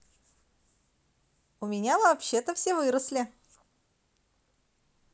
у меня вообще то все выросли